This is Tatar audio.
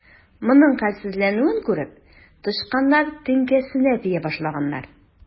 Моның хәлсезләнүен күреп, тычканнар теңкәсенә тия башлаганнар.